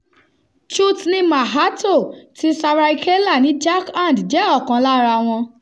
Chutni Mahato ti Saraikela ní Jharkhand jẹ́ ọ̀kan lára wọn.